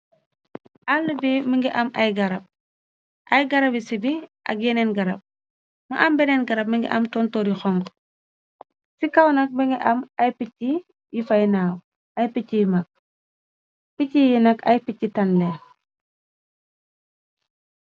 Aaala bi mongi am ay garab ay garabi ci bir ak yeneen garab mu am beneen garab mongi am tontooryi xona ci kaw nak mongi am ay piis yu fay naaw ay piis yu maag piss yi nak ay picci tan leen.